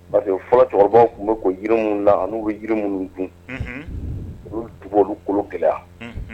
Parce fɔlɔ cɛkɔrɔbaw tun bɛ ko jiri yiri minnu n bɛ jiri minnu dun olu tu olu kolo kɛlɛ